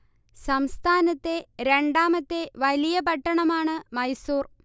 സംസ്ഥാനത്തെ രണ്ടാമത്തെ വലിയ പട്ടണമാണ് മൈസൂർ